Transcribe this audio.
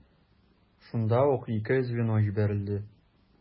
Шунда ук ике звено җибәрелде.